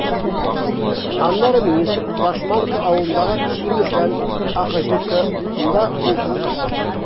Аннары министр Лашманка авылындагы “Чирмешән” АХҖКында булды.